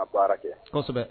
A bɛ baara kɛ, kosɛbɛ